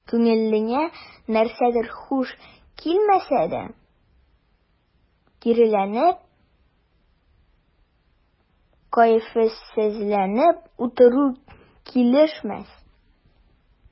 Күңелеңә нәрсәдер хуш килмәсә дә, киреләнеп, кәефсезләнеп утыру килешмәс.